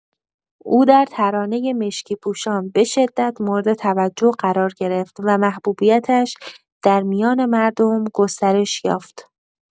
او در ترانۀ مشکی‌پوشان به‌شدت مورد توجه قرار گرفت و محبوبیتش در میان مردم گسترش یافت.